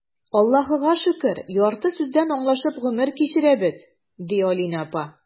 Аллаһыга шөкер, ярты сүздән аңлашып гомер кичерәбез,— ди Алинә апа.